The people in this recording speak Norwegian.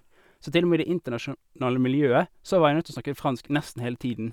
Så til og med i det internasjonale miljøet så var jeg nødt å snakke fransk nesten hele tiden.